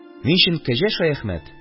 Ни өчен Кәҗә Шаяхмәт?